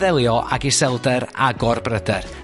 Ddelio ag iselder a gorbryder.